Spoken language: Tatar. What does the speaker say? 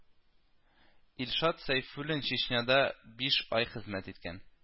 Илшат Сәйфуллин Чечняда биш ай хезмәт иткән